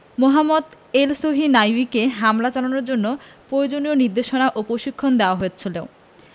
মোহাম্মদ এলসহিনাউয়িকে হামলা চালানোর জন্য পয়োজনীয় নির্দেশনা ও পশিক্ষণ দেওয়া হচ্ছিল